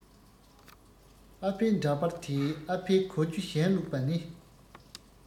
ཨ ཕའི འདྲ པར དེའི ཨ ཕའི གོ རྒྱུ གཞན བླུག པ ནི